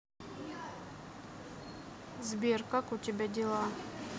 сбер как у тебя дела